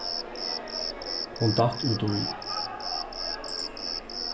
hon datt útí